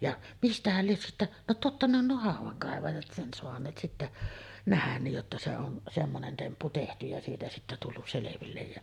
ja mistähän lie sitten no totta ne on nuo haudankaivajat sen saaneet sitten nähdä niin jotta se on semmoinen temppu tehty ja siitä sitten tullut selville ja